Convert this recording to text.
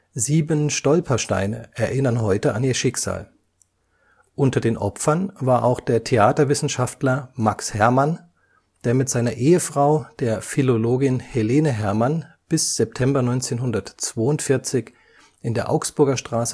Sieben Stolpersteine erinnern heute an ihr Schicksal. Unter den Opfern war auch der Theaterwissenschaftler Max Herrmann, der mit seiner Ehefrau, der Philologin Helene Herrmann, bis September 1942 in der Augsburger Straße